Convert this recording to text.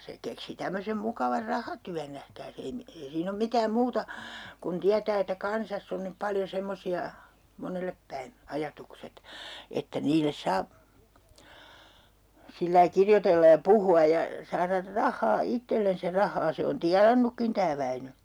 se keksi tämmöisen mukavan rahatyön nähkääs ei - ei siinä ole mitään muuta kun tietää että kansassa on nyt paljon semmoisia monelle päin ajatukset että niille saa sillä lailla kirjoitella ja puhua ja saada rahaa itsellensä ja rahaa se on tienannutkin tämä Väinö